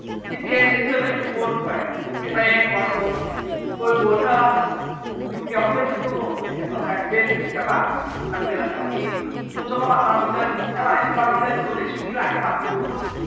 chính vì em dễ thương anh không muốn phải chia tay em quá sớm tôi muốn níu kéo thêm những cơ hội để được ở cạnh bên các bạn đặc biệt là thảo nhi tôi cho các bạn ba mươi giây các bạn hãy dùng ba mươi giây của tôi để suy nghĩ lại các bạn có muốn không